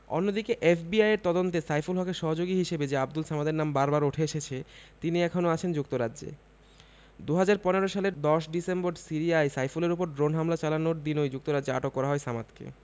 অন্যদিকে এফবিআইয়ের তদন্তে সাইফুল হকের সহযোগী হিসেবে যে আবদুল সামাদের নাম বারবার উঠে এসেছে তিনি এখনো আছেন যুক্তরাজ্যে ২০১৫ সালের ১০ ডিসেম্বর সিরিয়ায় সাইফুলের ওপর ড্রোন হামলা চালানোর দিনই যুক্তরাজ্যে আটক করা হয় সামাদকে